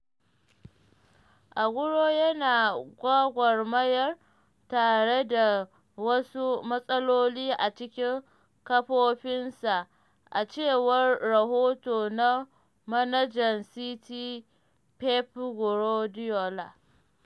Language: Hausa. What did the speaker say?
“Aguero yana gwagwarmaya tare da wasu matsaloli a cikin ƙafofinsa,” a cewar rahoto na manajan City Pep Guardiola.